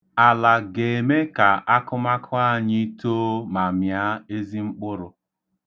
Ala ga-eme ka akụmakụ anyị too ma mịa ezi mkpụrụ.